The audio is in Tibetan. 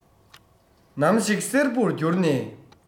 ནམ ཞིག སེར པོར གྱུར ནས